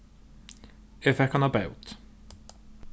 eg fekk eina bót